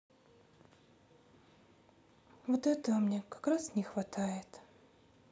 вот этого мне как раз не хватает